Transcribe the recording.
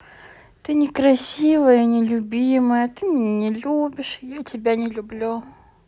ты некрасивая и нелюбимая ты меня не любишь я тебя не люблю